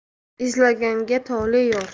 izlaganga tole yor